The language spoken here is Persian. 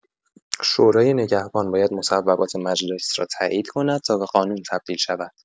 شورای نگهبان باید مصوبات مجلس را تایید کند تا به قانون تبدیل شود.